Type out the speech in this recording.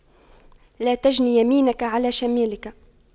لا تجن يمينك على شمالك